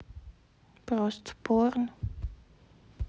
просто порно